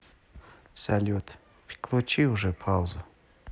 салют выключи уже паузу